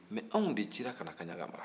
nka anw de cira ka na kaɲaga mara